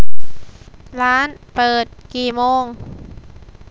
ร้านเปิดกี่โมง